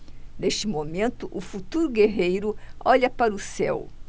neste momento o futuro guerreiro olha para o céu